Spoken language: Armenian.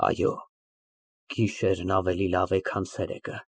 Այո, գիշերն ավելի լավ է, քան ցերեկը։